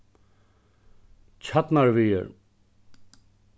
tjarnarvegur